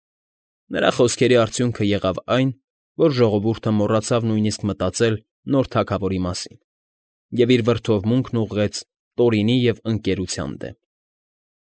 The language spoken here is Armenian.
Նրա խոսքերի արդյունքն այն եղավ, որ ժողովուրդը մոռացավ նույիսկ մտածել նոր թագավորի մասին և իր վրդովմունքն ուղղեց Տորինի ու Ընկերության դեմ։